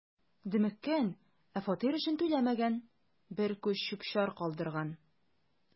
„дөмеккән, ә фатир өчен түләмәгән, бер күч чүп-чар калдырган“.